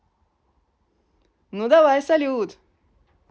ну давай салют